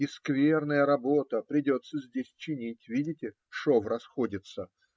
И скверная работа; придется здесь чинить: видите, шов расходится?